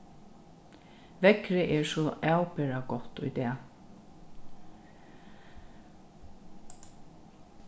veðrið er so avbera gott í dag